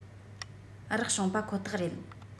རག བྱུང པ ཁོ ཐག རེད